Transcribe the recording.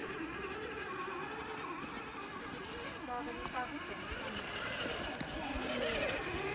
Սա վրիպակ չէ ֊ խմբ.